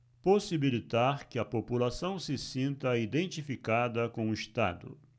possibilitar que a população se sinta identificada com o estado